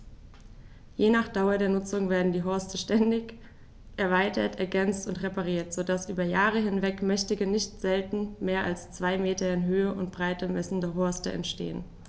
Je nach Dauer der Nutzung werden die Horste ständig erweitert, ergänzt und repariert, so dass über Jahre hinweg mächtige, nicht selten mehr als zwei Meter in Höhe und Breite messende Horste entstehen.